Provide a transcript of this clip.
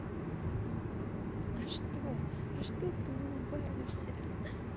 а что а что ты улыбаешься